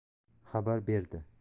xabar berdi